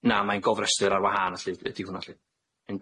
Na mae'n gofrestyr ar wahân felly ydi hwnna felly.